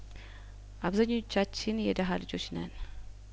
አብዛኞቻችን የደሀ ልጆች ነን